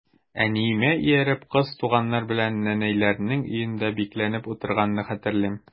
Әниемә ияреп, кыз туганнар белән нәнәйләрнең өендә бикләнеп утырганны хәтерлим.